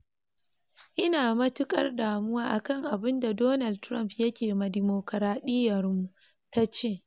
“Ina matukar damuwa akan abun da Donald Trump yake ma dimokuradiyyarmu,” ta ce.